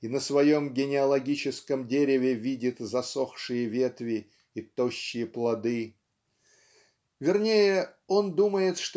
и на своем генеалогическом дереве видит засохшие ветви и тощие плоды вернее он думает